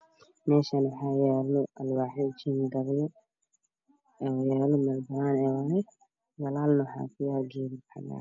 Meeshaan waxaa yaalo alwaaxyo jiingado oo yaalo meel banaan ah waaye gadaalna waxaa ka yaalo geed baxad yaal